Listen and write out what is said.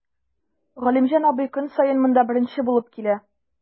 Галимҗан абый көн саен монда беренче булып килә.